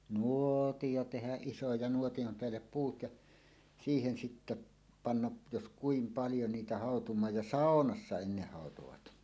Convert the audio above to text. nuotio tehdä iso ja - nuotion päälle puut ja siihen sitten panna jos kuinka paljon niitä hautumaan ja saunassa ennen hautuivat